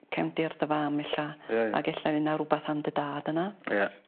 cefndir dy fam ella.. Ie ie. ...ag e'lla fy' 'na rwbath am dy dad yna. Ie.